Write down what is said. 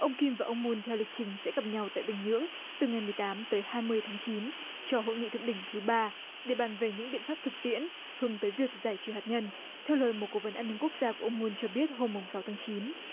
ông kim và ông mun theo lịch trình sẽ gặp nhau tại bình nhưỡng từ ngày mười tám tới hai mươi tháng chín cho hội nghị thượng đỉnh thứ ba để bàn về những biện pháp thực tiễn hướng tới việc giải trừ hạt nhân theo lời một cố vấn an ninh quốc gia của ông mun cho biết hôm mùng sáu tháng chín